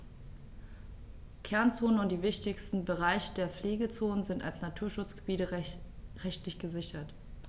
Kernzonen und die wichtigsten Bereiche der Pflegezone sind als Naturschutzgebiete rechtlich gesichert.